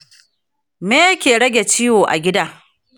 me ke rage ciwo a gida?